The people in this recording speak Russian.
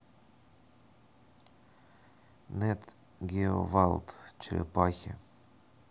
нет гео вайлд черепахи